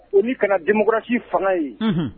U b'i kana denmukurati fanga ye